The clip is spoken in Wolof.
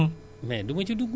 mais jarul ngay ñëw ci ñun